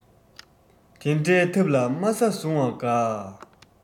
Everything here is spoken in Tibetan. དེ འདྲའི ཐབས ལ དམའ ས བཟུང བ དགའ